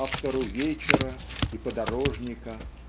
автору "Вечера" и "Подорожника"